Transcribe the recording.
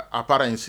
A taara in sigi